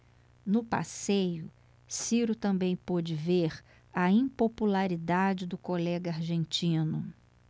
no passeio ciro também pôde ver a impopularidade do colega argentino